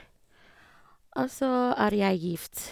Og så er jeg gift.